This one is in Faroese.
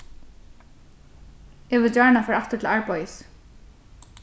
eg vil gjarna fara aftur til arbeiðis